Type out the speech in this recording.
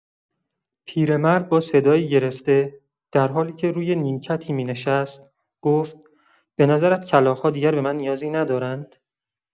پیرمرد با صدایی گرفته، درحالی‌که روی نیمکتی می‌نشست، گفت: «به‌نظرت کلاغ‌ها دیگر به من نیازی ندارند؟!»